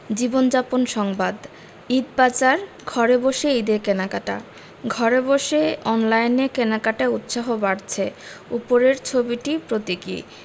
জীবনযাপন সংবাদ ঈদবাজার ঘরে বসেই ঈদের কেনাকাটা ঘরে বসে অনলাইনে কেনাকাটায় উৎসাহ বাড়ছে উপরের ছবিটি প্রতীকী